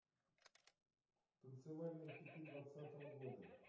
танцевальные хиты двадцатого года